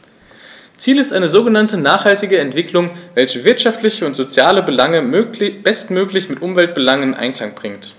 Ziel ist eine sogenannte nachhaltige Entwicklung, welche wirtschaftliche und soziale Belange bestmöglich mit Umweltbelangen in Einklang bringt.